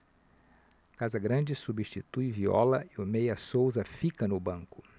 casagrande substitui viola e o meia souza fica no banco